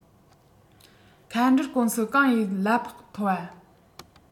མཁའ འགྲུལ ཀུང སི གང ཡི གླ ཕོགས མཐོ བ